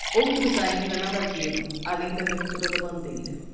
outros ainda nada viram além da abertura da bandeira